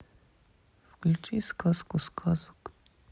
включи сказку сказок